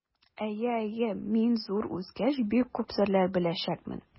Әйе, әйе, мин, зур үскәч, бик күп серләр беләчәкмен.